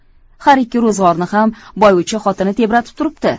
har ikki ro'zg'orni ham boyvuchcha xotini tebratib turibdi